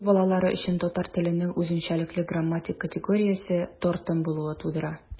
Рус балалары өчен татар теленең үзенчәлекле грамматик категориясе - тартым булуы тудыра.